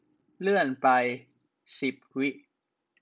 เลื่อนไปสิบวิ